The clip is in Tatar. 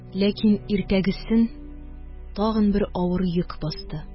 Ләкин иртәгесен тагын бер авыр йөк басты